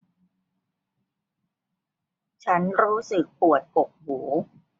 ฉันรู้สึกปวดกกหู